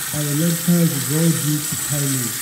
Their reluctance is all due to timing.